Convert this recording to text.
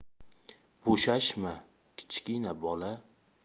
bo'shashma kichkina bola